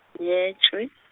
nyetšwe .